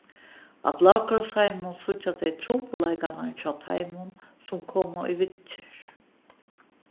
á blákrossheiminum síggja tey trupulleikarnar hjá teimum sum koma í viðgerð